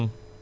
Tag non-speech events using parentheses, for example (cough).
(hesitation) (hesitation)